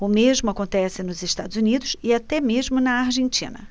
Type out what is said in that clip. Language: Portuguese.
o mesmo acontece nos estados unidos e até mesmo na argentina